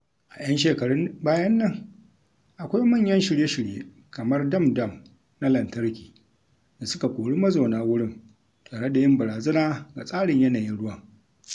A 'yan shekarun bayan nan, akwai manyan shirye-shirye kamar dam-dam na lantarki da suka kori mazauna wurin tare da yin barazana ga tsarin yanayin ruwan.